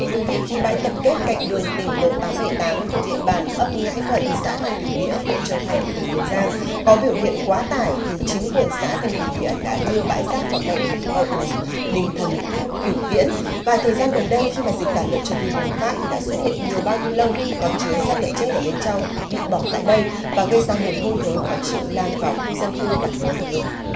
thưa quý vị khi bãi tập kết cạnh đường tỉnh lộ tám bảy tám thuộc địa bàn ấp ngãi thuận xã thân cửu nghĩa huyện châu thành tỉnh tiền giang có biểu hiện quá tải thì chính quyền xã thân cửu nghĩa đã đưa bãi rác vào cảnh cổng đình thần vĩnh cửu viễn và thời gian gần đây khi mà dịch tả lợn châu phi bùng phát thì đã xuất hiện nhiều bao ni lông có chứa xác lợn chết ở bên trong bị bỏ tại đây và gây ra mùi hôi thối khó chịu lan vào khu dân cư và nơi thờ tự